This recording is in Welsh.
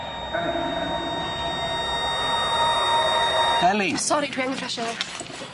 Elin! Elin! Sori dwi angen fresh air.